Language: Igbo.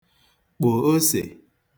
kpò osè